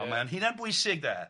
Ond mae o'n hunanbwysig de. Ia.